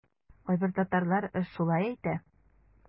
Кайбер татарлар шулай әйтә.